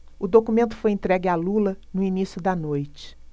o documento foi entregue a lula no início da noite